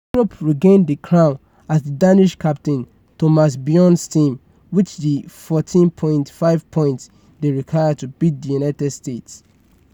Europe regained the crown as the Danish captain Thomas Bjorn's team reached the 14.5 points they required to beat the United States.